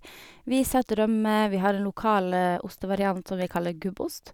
Vi setter rømme, vi har en lokal ostevariant som vi kaller Gubbost.